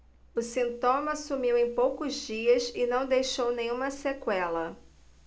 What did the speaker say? o sintoma sumiu em poucos dias e não deixou nenhuma sequela